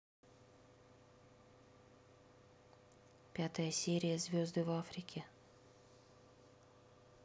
пятая серия звезды в африке